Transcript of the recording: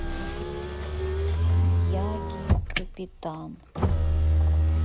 мьяги капитан